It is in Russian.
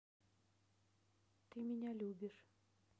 ты меня любишь